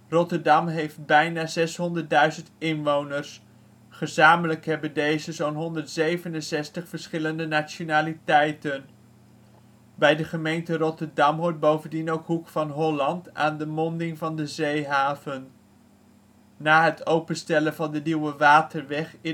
Rotterdam heeft bijna 600.000 inwoners; gezamenlijk hebben deze zo 'n 167 verschillende nationaliteiten. Bij de gemeente Rotterdam hoort bovendien ook Hoek van Holland, aan de monding van de zeehaven. Na het openstellen van de Nieuwe Waterweg